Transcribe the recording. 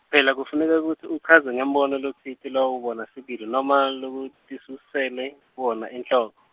phela kufuneka kutsi uchaze ngembono lotsite lowawubona sibili noma lotisusele wona enhloko.